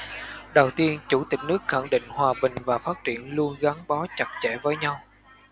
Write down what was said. đầu tiên chủ tịch nước khẳng định hòa bình và phát triển luôn gắn bó chặt chẽ với nhau